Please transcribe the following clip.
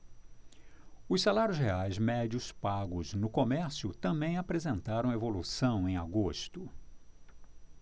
os salários reais médios pagos no comércio também apresentaram evolução em agosto